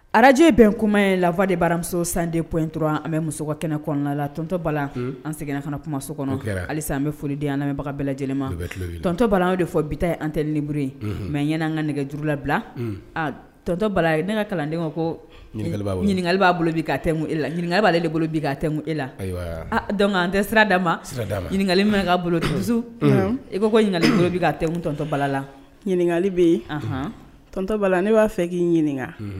Arajɛ bɛn kuma ye la fɔ de baramuso sanden p dɔrɔn an bɛ muso kɛnɛ kɔnɔna la tɔntɔ bala an seginna fana kuma so kɔnɔ halisa an bɛ foliden an bɛbaga bɛɛ lajɛlenma tɔntɔ o de fɔ bitɔnta an tɛ niburu ye mɛ n ɲɛna an ka nɛgɛjuru labila aa tɔntɔ bala ne ka kalanden ko ɲininkaka b'a bolo ka e la b'ale bolo bi tɛ e la dɔn an tɛ sirada mali min' boloz e' ko ɲininkali bolo tɔntɔ balalakali bɛtɔ bala ne b'a fɛ k'i ɲininkaka